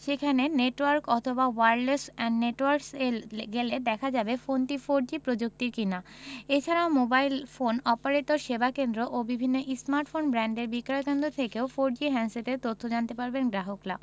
সেখানে নেটওয়ার্ক অথবা wireless and networks এ গেলে দেখা যাবে ফোনটি ফোরজি প্রযুক্তির কিনা এ ছাড়াও মোবাইল ফোন অপারেটরের সেবাকেন্দ্র ও বিভিন্ন স্মার্টফোন ব্র্যান্ডের বিক্রয়কেন্দ্র থেকেও ফোরজি হ্যান্ডসেটের তথ্য জানতে পারবেন গ্রাহকরা